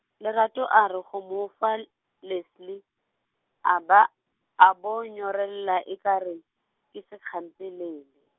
Lerato a re go mo fa l-, Leslie, a ba a, a bo nyorelela e ka re, ke sekhampelele.